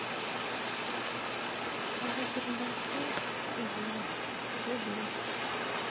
кораблик большой так делать где люди